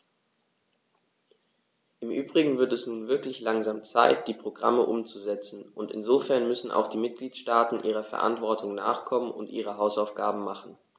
Im übrigen wird es nun wirklich langsam Zeit, die Programme umzusetzen, und insofern müssen auch die Mitgliedstaaten ihrer Verantwortung nachkommen und ihre Hausaufgaben machen.